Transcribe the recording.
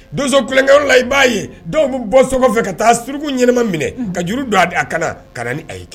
Donso kulonkɛyɔrɔ la i b'a ye dɔw b'u bɔ so kɔfɛ ka taa suruku ɲɛnama minɛ ka juru don a kan na ka na ni a ye.